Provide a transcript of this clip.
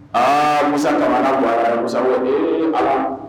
Aa musa jamanamana musa ala